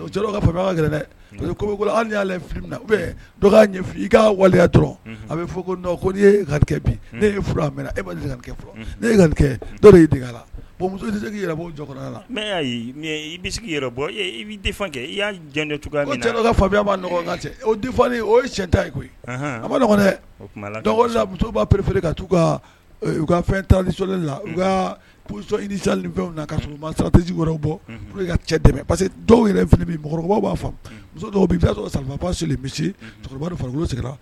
Ka dɛ y'ale i ka waliya a bɛ fɔ ko n ka bi e' la k b' jɔ la i bɛ sigi i bɔ i kɛ i' ka fa fanya b'a o yeta koyi a ma nɔgɔ dɛ b'a perefeere ka ka u ka fɛn taara nili la u fɛntisi wɛrɛ bɔ cɛ tɛmɛ pa que dɔw yɛrɛ mɔgɔkɔrɔba b'a fɔ muso dɔw sɔrɔ bi cɛkɔrɔba sigira